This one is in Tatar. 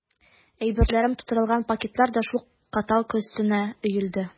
Әйберләрем тутырылган пакетлар да шул каталка өстенә өелде.